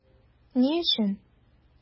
Ни өчен?